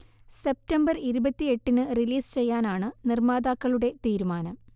September ഇരുപത്തി എട്ടിന് release ചെയ്യാനാണ് നിർമ്മാതാക്കളുടെ തീരുമാനം